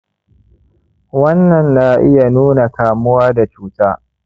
wannan na iya nuna kamuwa da cuta.